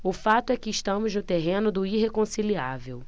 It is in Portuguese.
o fato é que estamos no terreno do irreconciliável